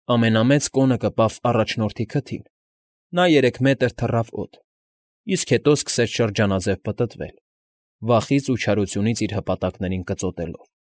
Ամենամեծ կոնը կպավ առաջնորդի քթին, նա երեք մետր թռավ օդ, իսկ հետո սկսեց շրջանաձև պտտվել՝ վախից ու չարությունից իր հպատակներին կծոտելով։